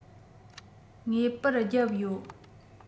ངེས པར བརྒྱབ ཡོད